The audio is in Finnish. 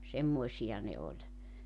semmoisia ne oli